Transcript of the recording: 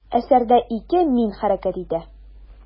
Әсәрдә ике «мин» хәрәкәт итә.